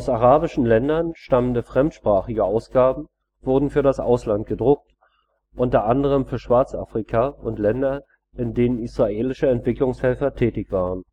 arabischen Ländern stammende fremdsprachige Ausgaben wurden für das Ausland gedruckt, unter anderem für Schwarzafrika und Länder, in denen israelische Entwicklungshelfer tätig waren